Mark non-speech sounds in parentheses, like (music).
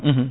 (hesitation) (hesitation)